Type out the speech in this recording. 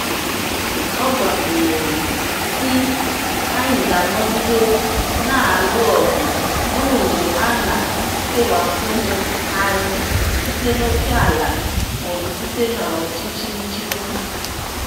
Ọ gbakwụnyere, sị: "Anyị ga-anọgide na-alụ ọgụ ruo mgbe a na-kewapụghị anyị site n'ókè ala maọbụ site n'ọchịchị nchigbu."